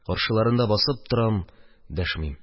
Каршыларында басып торам, дәшмим.